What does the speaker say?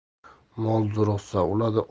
mol zo'riqsa o'ladi